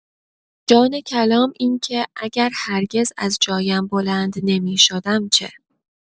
جان کلام اینکه اگر هرگز از جایم بلند نمی‌شدم چه؟